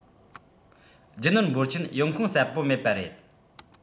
རྒྱུ ནོར འབོར ཆེན ཡོང ཁུངས གསལ པོ མེད པ རེད